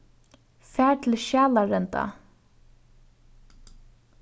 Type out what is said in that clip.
far til skjalarenda